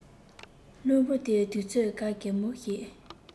རླུང བུ དེས དུས ཚོད ག གེ མོ ཞིག